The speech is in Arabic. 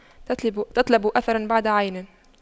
تطلب أثراً بعد عين